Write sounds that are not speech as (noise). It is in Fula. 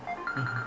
(hesitation) (hesitation)